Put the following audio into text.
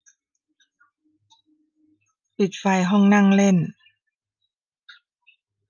ปิดไฟห้องนั่งเล่น